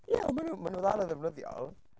Ie ond mae nhw maen nhw dal yn ddefnyddiol.